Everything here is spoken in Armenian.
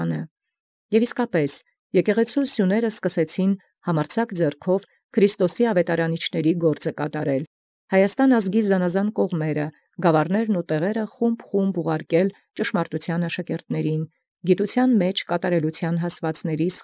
Որ և սկսան իսկ սիւնք եկեղեցւոյ միջամուխ ձեռամբ զգործ աւետարանչացն Քրիստոսի գործել, գումարել ի կողմանս. ի գաւառս, ի տեղիս տեղիս Հայաստան ազգին, դասս դասս զաշակերտեալսն ճշմարտութեանն, զհասուցելոցս ի կատարումն։